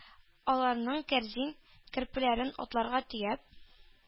Аларның кәрзин, көрпәләрен, атларга төяп,